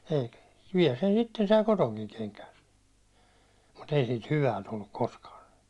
eikä vielä sen sitten sai kotoakin kenkään mutta ei siitä hyvä tullut koskaan